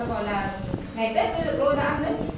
gọi là ngày tết mới được lôi ra ăn đấy